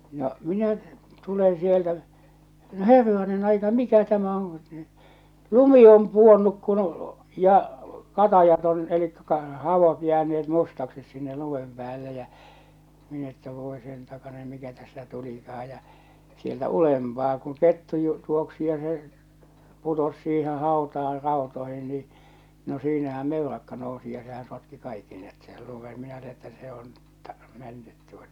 no minä tulen sieltä no herranen aika mikä tämä on kun lumi on pudonnut kun ja katajat on eli - havut jääneet mustaksi sinne lumen päälle ja minä että voi sen takainen mikä tästä tulikaan ja sieltä ylempää kun kettu - juoksi ja se putosi siihen hautaan rautoihin niin no siinähän mellakka nousi ja sehän sotki kaikki ne sen lumen minä luulin että se on - mennyt tuota